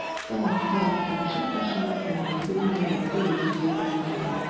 Талантлы, тырыш якташыма сәнгать күгендә якты йолдыз булып балкуын телим.